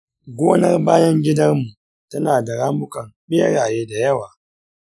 gonar bayan gidarmu tana da ramukan beraye da yawa.